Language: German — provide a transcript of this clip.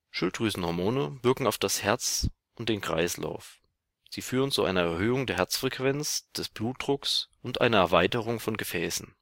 Schilddrüsenhormone wirken auf das Herz und den Kreislauf. Sie führen zu einer Erhöhung der Herzfrequenz, des Blutdrucks und einer Erweiterung von